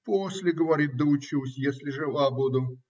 "После, говорит, доучусь, если жива буду".